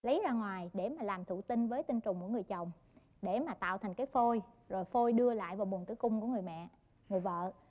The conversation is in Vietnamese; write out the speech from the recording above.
lấy ra ngoài để làm thụ tinh với tinh trùng của người chồng để mà tạo thành cái phôi rồi phôi đưa lại vào buồng tử cung của người mẹ người vợ